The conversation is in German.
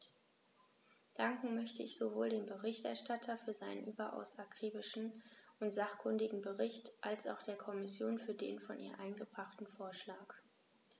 Danken möchte ich sowohl dem Berichterstatter für seinen überaus akribischen und sachkundigen Bericht als auch der Kommission für den von ihr eingebrachten Vorschlag.